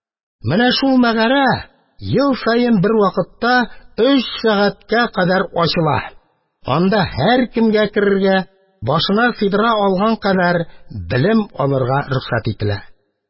Менә шул мәгарә ел саен бер вакытта өч сәгатькә генә ачыла, анда һәркемгә керергә, башына сыйдыра алган кадәр белем алырга рөхсәт ителә.